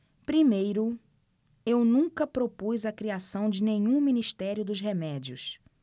primeiro eu nunca propus a criação de nenhum ministério dos remédios